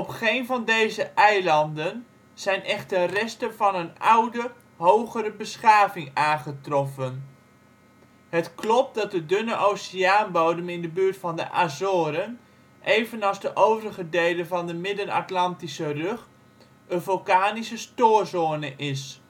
geen van deze eilanden zijn echter resten van een oude hogere beschaving aangetroffen. Het klopt dat de dunne oceaanbodem in de buurt van de Azoren, evenals de overige delen van de Midden-Atlantische Rug, een vulkanische stoorzone is